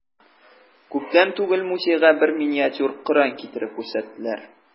Күптән түгел музейга бер миниатюр Коръән китереп күрсәттеләр.